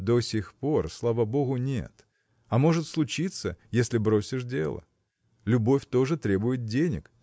– До сих пор, слава богу, нет, а может случиться, если бросишь дело любовь тоже требует денег